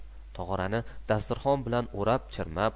tog'orani dasturxon bilan o'rab chirmab